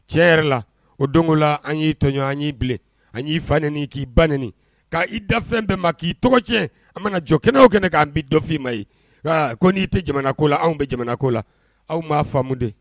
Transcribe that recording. Cɛ yɛrɛ la o donko la an y'i tɔɲɔgɔn an y'i bilen an y'i fa ni k'i ba k' i da fɛn bɛɛ ma k'i tɔgɔ cɛ an mana jɔ kɛnɛw kɛnɛ k'an bi dɔfin i ma ye ko n'i tɛ jamanako la anw bɛ jamana ko la aw m'a faamuden